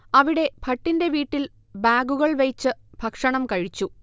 അവിടെ ഭട്ടിന്റെ വീട്ടിൽ ബാഗുകൾ വെയ്ച്ചു ഭക്ഷണം കഴിച്ചു